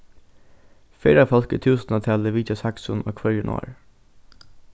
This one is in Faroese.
ferðafólk í túsundatali vitja saksun á hvørjum ári